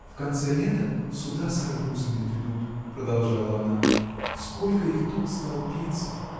— В конце лета суда с арбузами придут, — продолжала она, — сколько их тут столпится!